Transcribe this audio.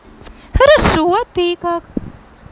хорошо а ты как